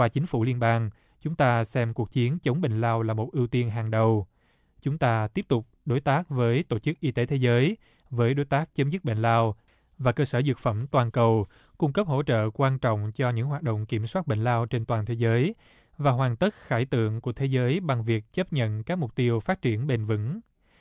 qua chính phủ liên bang chúng ta xem cuộc chiến chống bệnh lao là một ưu tiên hàng đầu chúng ta tiếp tục đối tác với tổ chức y tế thế giới với đối tác chấm dứt bệnh lao và cơ sở dược phẩm toàn cầu cung cấp hỗ trợ quan trọng cho những hoạt động kiểm soát bệnh lao trên toàn thế giới và hoàn tất khải tượng của thế giới bằng việc chấp nhận các mục tiêu phát triển bền vững